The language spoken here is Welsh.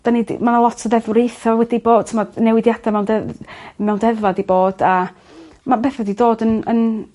'dyn ni 'di ma' lot o deddfwriaetha wedi bod t'mod newidiada mewn deddf- mewn deddfa 'di bod a ma' betha 'di dod yn yn